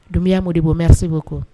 Dumya mɔ de bɔ msibɔ kɔ